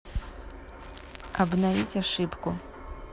обновить ошибку